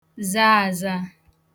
za aza